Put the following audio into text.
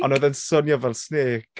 Ond oedd e'n swnio fel "snake".